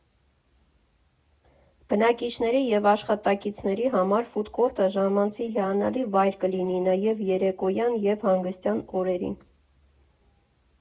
Բնակիչների և աշխատակիցների համար ֆուդ֊քորթը ժամանցի հիանալի վայր կլինի նաև երեկոյան և հանգստյան օրերին։